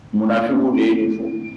Munnafinw de e de fɔ